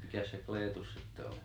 mikäs se Kleetus sitten oli